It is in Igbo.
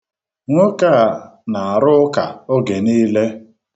Nwoke a na-arụ ụka oge niile.